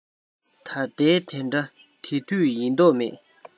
ད ལྟའི དེ འདྲ དེ དུས ཡིན མདོག མེད